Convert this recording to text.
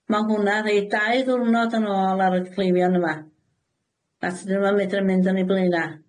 Ma' hwnna rheid dau ddiwrnod yn ôl ar y cleifion yma, a tydyn nw'm yn medru mynd yn eu blaena.